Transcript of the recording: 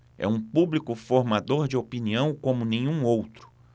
é um público formador de opinião como nenhum outro